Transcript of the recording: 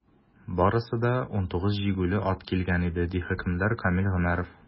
Барысы 19 җигүле ат килгән иде, - ди хөкемдар Камил Гомәров.